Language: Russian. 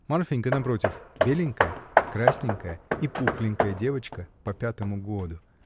Марфинька, напротив, беленькая, красненькая и пухленькая девочка по пятому году.